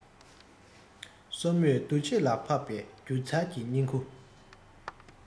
སོར མོའི འདུ བྱེད ལ ཕབ པའི སྒྱུ རྩལ གྱི ཉིང ཁུ